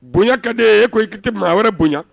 Bonya kaden e ko ite a yɛrɛ bonya